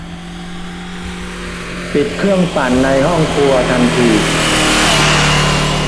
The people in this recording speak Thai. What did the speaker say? ปิดเครื่องปั่นในห้องครัวทันที